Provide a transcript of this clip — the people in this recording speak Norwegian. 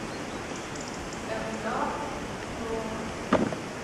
Jeg er veldig glad, og ja.